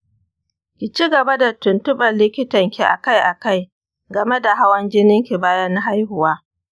ki ci gaba da tuntuɓar likitanki akai-akai game da hawan jininki bayan haihuwa.